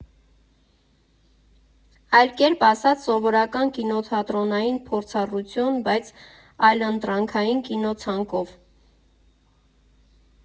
Այլ կերպ ասած՝ սովորական կինոթատրոնային փորձառություն, բայց այլընտրանքային կինոցանկով։